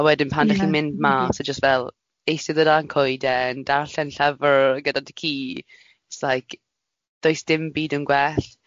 A wedyn pan... Ie. ...dach chi'n mynd mas a jyst fel eistedd o dan coeden, darllen llyfr gyda dy ci, it's like does dim byd yn gwell.